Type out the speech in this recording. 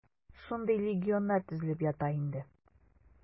Шундый легионнар төзелеп ята инде.